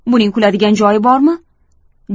buning kuladigan joyi bormi